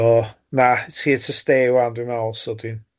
So na, ti at y stê ŵan dwi'n meddwl, so dwi'n .